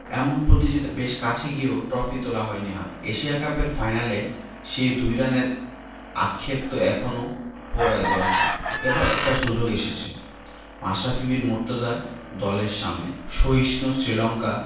এমন প্রতিযোগিতায় বেশ কাছে গিয়েও ট্রফি তোলা হয়নি হাতে এশিয়া কাপের ফাইনালের সেই ২ রানের আক্ষেপ তো এখনো পোড়ায় দলকে এবার একটা সুযোগ এসেছে মাশরাফি বিন মুর্তজার দলের সামনে ক্ষয়িষ্ণু শ্রীলঙ্কা